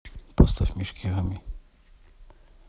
поставь мишки гамми